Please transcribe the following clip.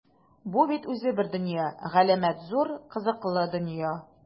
Бу бит үзе бер дөнья - галәмәт зур, кызыклы дөнья!